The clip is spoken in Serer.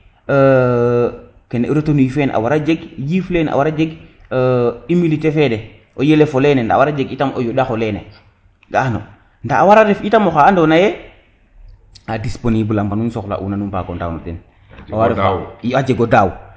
kene retenue fene a wara jeg yiif lene a wara jeg humuditer fene o yelefo lene a wara jeg itam o yonda xo lene ga ano nda a wara ref itam oxa ando naye a disponible a mbanu nu soxla una no mbago ndaw ten a jego daaw